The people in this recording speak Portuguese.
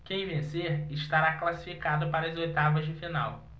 quem vencer estará classificado para as oitavas de final